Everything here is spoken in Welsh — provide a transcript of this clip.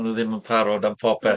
Maen nhw ddim yn parod am popeth.